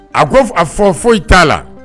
A ko a fɔ foyi t'a la